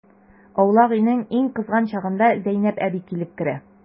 Аулак өйнең иң кызган чагында Зәйнәп әби килеп керә.